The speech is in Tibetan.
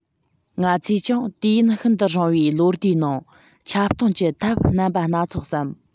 ང ཚོས ཀྱང དུས ཡུན ཤིན ཏུ རིང བའི ལོ ཟླའི ནང ཁྱབ སྟངས ཀྱི ཐབས རྣམ པ སྣ ཚོགས སམ